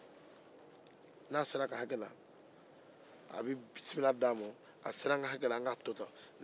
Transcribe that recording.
n'a sera a ka hakɛ la a be sira di a ma an k'a to tan a sera n ka hakɛ la